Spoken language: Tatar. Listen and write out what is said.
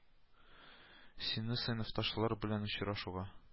Сине сыйныфташлар белән очрашуга